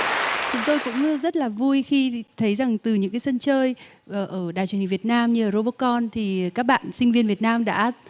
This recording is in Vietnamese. chúng tôi cũng rất là vui khi thấy rằng từ những sân chơi gờ ở đài truyền hình việt nam nhờ rô ô con thì các bạn sinh viên việt nam đã